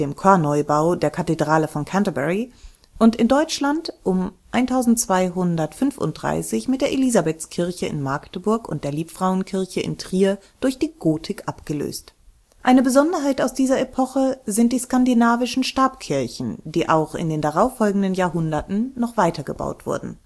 Chorneubau der Kathedrale von Canterbury) und in Deutschland um 1235 (Elisabethkirche in Marburg, Liebfrauenkirche in Trier) durch die Gotik abgelöst. Eine Besonderheit aus dieser Epoche sind die skandinavischen Stabkirchen, die auch in den darauffolgenden Jahrhunderten noch weiter gebaut wurden